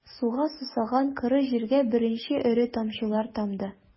Суга сусаган коры җиргә беренче эре тамчылар тамды...